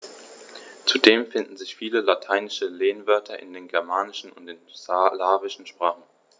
Zudem finden sich viele lateinische Lehnwörter in den germanischen und den slawischen Sprachen.